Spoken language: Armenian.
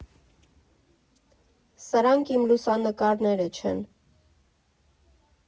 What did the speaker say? Սրանք իմ լուսանկարները չեն։